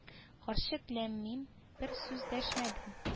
Карчык ләммим бер сүз дәшмәде